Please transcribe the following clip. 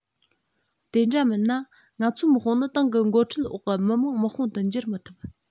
དེ འདྲ མིན ན ང ཚོའི དམག དཔུང ནི ཏང གི འགོ ཁྲིད འོག གི མི དམངས དམག དཔུང དུ འགྱུར མི ཐུབ